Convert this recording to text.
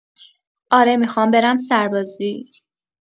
آره میخوام برم سربازی